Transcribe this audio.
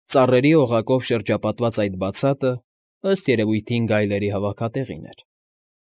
Ծառերի օղակով շրջապատված այդ բացատը, ըստ երևույթին, գայլերի հավաքատեղին էր։